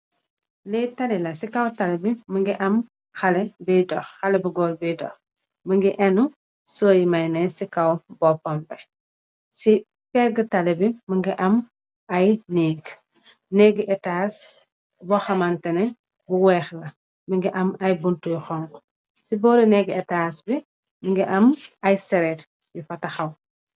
Li taali la si kaw talibi mogi xale boi dox xale bu goor boi dox mogi enu siwo maynease si kaw mbopam bi ameh si pegi taali bi mogi ameh ay neeg neegi etas bu hamantex neh bu weex la mogi am ay bunta yu xonxa si bori neeg etass bi mogi am ay sareti yu fa tahaw.